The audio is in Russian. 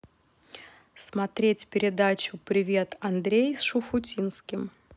смотреть передачу привет андрей с шуфутинским